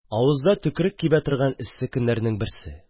Авызда төкерекләр кибә торган эссе көннәрнең берсе.